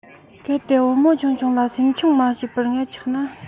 གལ ཏེ བུ མོ ཆུང ཆུང ལ སེམས ཆུང མ བྱས པར མངལ ཆགས ན